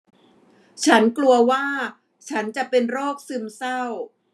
ฉันกลัวว่าฉันจะเป็นโรคซึมเศร้า